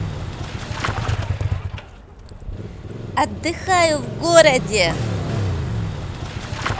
отдыхаю в огороде